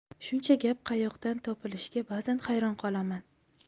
shuncha gap qayoqdan topilishiga bazan hayron qolaman